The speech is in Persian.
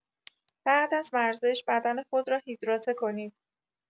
بعد از ورزش بدن خود را هیدراته کنید.